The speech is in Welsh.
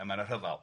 A mae 'na rhyfal.